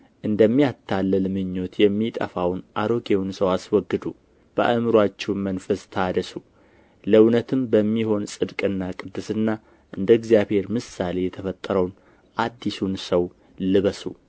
እንደሚያታልል ምኞት የሚጠፋውን አሮጌውን ሰው አስወግዱ በአእምሮአችሁም መንፈስ ታደሱ ለእውነትም በሚሆኑ ጽድቅና ቅድስና እንደ እግዚአብሔር ምሳሌ የተፈጠረውን አዲሱን ሰው ልበሱ